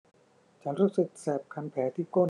ฉันรู้สึกแสบคันแผลที่ก้น